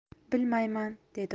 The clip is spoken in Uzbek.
bilmayman dedi u